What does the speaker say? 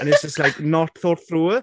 and it's just like, not thought through.